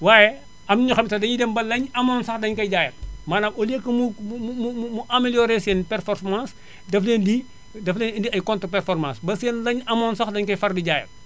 waaye am na ñoo xamante ne dañuy dem ba la ñu amoon sax dañu koy jaayaat maanaam au lieu que mu mu mu amélioré seen performances dafa leen di daf leen indil ay contre performances ba seen la ñu amoon sax dañu koy far di jaayaat